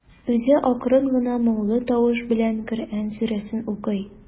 Үзе акрын гына, моңлы тавыш белән Коръән сүрәсен укый.